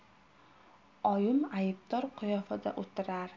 oyim aybdor qiyofada o'tirar